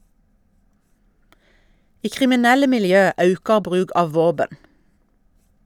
I kriminelle miljø aukar bruk av våpen.